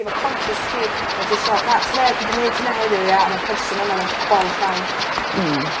...efo concious chdi a jyst fel na dwi 'di neud hwnna heddiw ia a ma' person yna 'fo bol llawn. Hmm.